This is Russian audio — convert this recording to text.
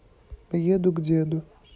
еду к деду